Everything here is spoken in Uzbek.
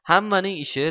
hammaning ishi